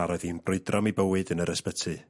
...tra roedd hi'n brwydro am 'i bywyd yn yr ysbyty.